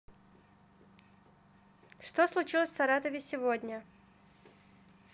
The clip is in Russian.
что случилось в саратове сегодня